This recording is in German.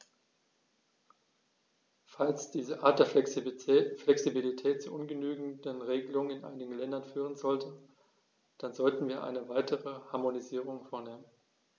Falls diese Art der Flexibilität zu ungenügenden Regelungen in einigen Ländern führen sollte, dann sollten wir eine weitere Harmonisierung vornehmen.